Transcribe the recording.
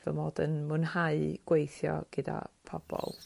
fy mod yn mwynhau gweithio gyda pobol